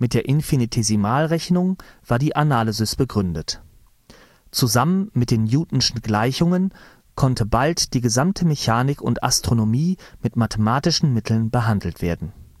der Infinitesimalrechnung war die Analysis begründet. Zusammen mit den Newtonschen Gleichungen konnte bald die gesamte Mechanik und Astronomie mit mathematischen Mitteln behandelt werden